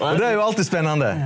og det er jo alltid spennande.